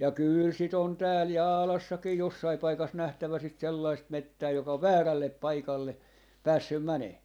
ja kyllä sitä on täällä Jaalassakin jossakin paikassa nähtävä sitä sellaista metsää joka on väärälle paikalle päässyt menemään